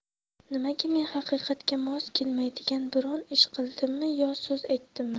nimaga men haqiqatga mos kelmaydigan biron ish qildimmi yo so'z aytdimmi